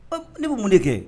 Ɔ, ne bɛ mun de kɛ?